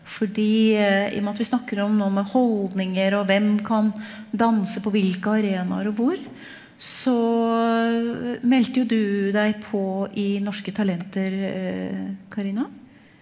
fordi i og med at vi snakker om nå med holdninger og hvem kan danse på hvilke arenaer og hvor, så meldte jo du deg på i Norske Talenter Carina.